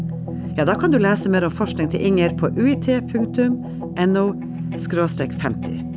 ja da kan du lese mer om forskninga til Inger på UiT punktum N O skråstrek femti.